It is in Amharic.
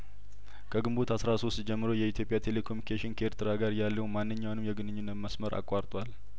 ከግንቦት አስራ ሶስት ጀምሮ የኢትዮጵያ ቴሌኮሙኒኬሽን ከኤርትራ ጋር ያለውን ማንኛውንም የግንኙነት መስመር አቋርጧል